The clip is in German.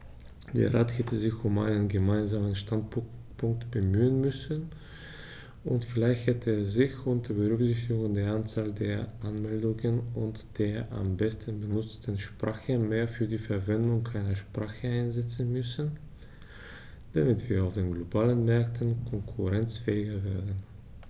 Der Rat hätte sich um einen gemeinsamen Standpunkt bemühen müssen, und vielleicht hätte er sich, unter Berücksichtigung der Anzahl der Anmeldungen und der am meisten benutzten Sprache, mehr für die Verwendung einer Sprache einsetzen müssen, damit wir auf den globalen Märkten konkurrenzfähiger werden.